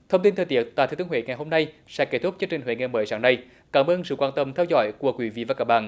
thông tin thời tiết tại thừa thiên huế ngày hôm nay sẽ kết thúc chương trình huế ngày mới sáng nay cảm ơn sự quan tâm theo dõi của quý vị và các bạn